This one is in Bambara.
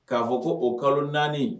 K'a fɔ ko o kalo 4 in